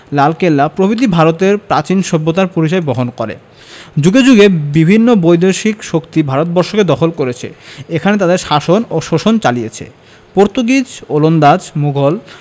লালকেল্লা প্রভৃতি ভারতের প্রাচীন সভ্যতার পরিচয় বহন করেযুগে যুগে বিভিন্ন বৈদেশিক শক্তি ভারতবর্ষকে দখল করেছে এখানে তাদের শাসন ও শোষণ চালিছে পর্তুগিজ ওলন্দাজ মুঘল